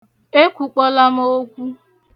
Ekwukpola m okwu.